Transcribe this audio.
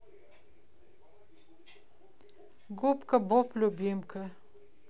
губка боб любимка